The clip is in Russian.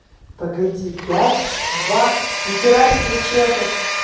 погоди пять два нихрена себе чехов